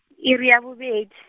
iri ya bobed-.